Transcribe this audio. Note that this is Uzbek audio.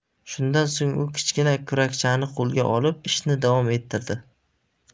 shundan so'ng u kichkina kurakchani qo'lga olib ishni davom ettirdi